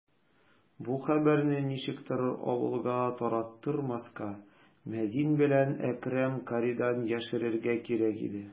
Бу хәбәрне ничектер авылга тараттырмаска, мәзин белән Әкрәм каридан яшерергә кирәк иде.